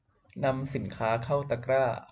นำสินค้าเข้าตะกร้า